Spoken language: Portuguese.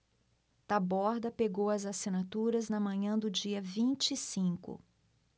taborda pegou as assinaturas na manhã do dia vinte e cinco